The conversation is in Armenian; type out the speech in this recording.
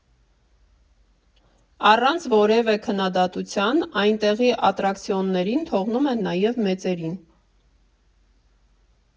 Առանց որևէ քննադատության այնտեղի ատրակցիոններին թողնում են նաև մեծերին։